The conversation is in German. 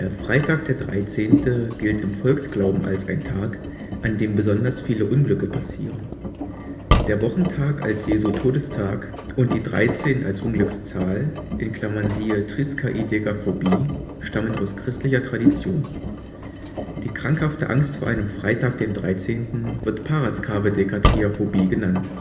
Freitag der 13. gilt im Volksglauben als ein Tag, an dem besonders viele Unglücke passieren. Der Wochentag als Jesu Todestag und die 13 als Unglückszahl (siehe Triskaidekaphobie) stammen aus christlicher Tradition. Die krankhafte Angst vor einem Freitag dem 13. wird Paraskavedekatriaphobie genannt